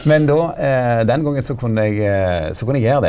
men då den gongen så kunne eg så kunne eg gjere det.